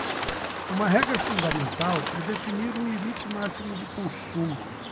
uma regra fundamental é definir um limite máximo de consumo